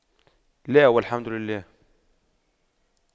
لا والحمد لله